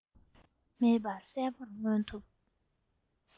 མེད པར གསལ པོར མངོན ཐུབ